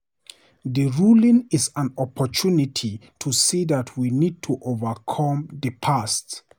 "The ruling is an opportunity to see that we need to overcome the past."